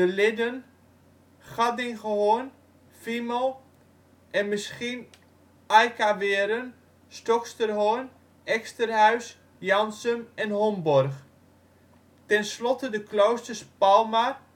Lidden, Gaddingehorn, Fiemel en misschien Ayckaweren, Stoksterhorn, Exterhuis, Jansum en Homborg. Tenslotte de kloosters Palmar